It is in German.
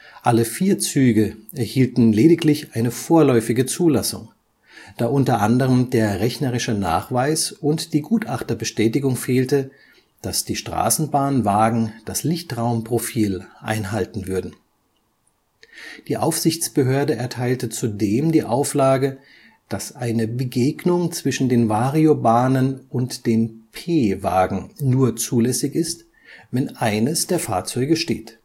Alle vier Züge erhielten lediglich eine vorläufige Zulassung, da unter anderem der rechnerische Nachweis und die Gutachterbestätigung fehlte, dass die Straßenbahnwagen das Lichtraumprofil einhalten würden. Die Aufsichtsbehörde erteilte zudem die Auflage, dass eine Begegnung zwischen den Variobahnen und den P-Wagen nur zulässig ist, wenn eines der Fahrzeuge steht